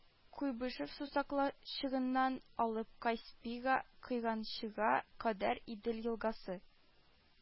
Куйбышев сусаклагычыннан алып Каспийга койганчыга кадәр Идел елгасы